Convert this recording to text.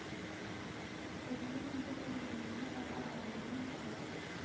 Үземнең инде кем булуымны, кайда баруымны, нишләп